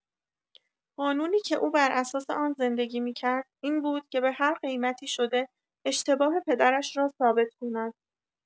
قانونی که او براساس آن زندگی می‌کرد این بود که به هرقیمتی شده اشتباه پدرش را ثابت کند.